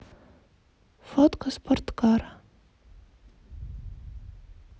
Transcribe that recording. фотка спорткара